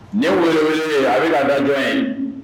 Nin ye go ye a bɛ ka dadɔn ye